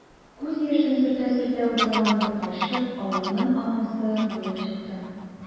Күз яшен сөртә-сөртә утырган бер карчык авыруның анасы булып чыкты.